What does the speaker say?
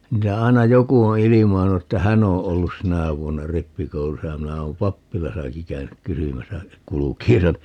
niitä aina joku on ilmainnut että hän on ollut sinä vuonna rippikoulussa ja minä olen pappilassakin käynyt kysymässä kulkiessani